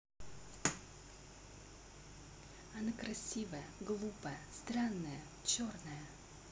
она красивая глупая странная черная